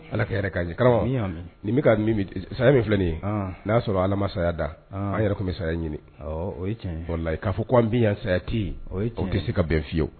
Ala ka k'a ye karamɔgɔ nin bɛ ka saya min filɛ nin ye n'a'a sɔrɔ ala ma saya da an yɛrɛ tun bɛ saya ɲini o ye k'a fɔ k' an bɛ yan sayati' gese se ka bɛn fiye